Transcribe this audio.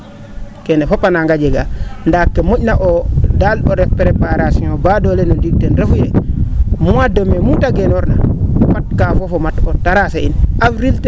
keene fop a nanga jegaa ndaa ke mo?na o daal o ref preparation baadoola no ndiig ten refu yee mois de mai muu ta genoorna fat kaafof a amt o tracer in